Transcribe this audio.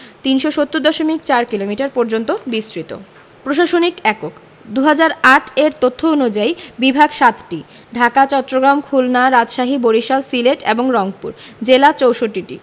৩৭০ দশমিক ৪ কিলোমিটার পর্যন্ত বিস্তৃত প্রশাসনিক এককঃ ২০০৮ এর তথ্য অনুযায়ী বিভাগ ৭টি ঢাকা চট্টগ্রাম খুলনা রাজশাহী বরিশাল সিলেট এবং রংপুর জেলা ৬৪টি